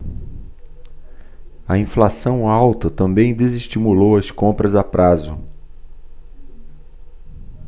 a inflação alta também desestimulou as compras a prazo